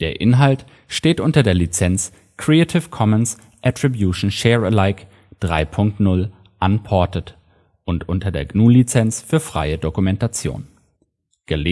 Inhalt steht unter der Lizenz Creative Commons Attribution Share Alike 3 Punkt 0 Unported und unter der GNU Lizenz für freie Dokumentation. Der